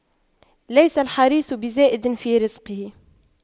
ليس الحريص بزائد في رزقه